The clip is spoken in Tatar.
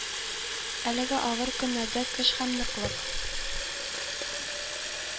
Әлеге авыр көннәрдә көч һәм ныклык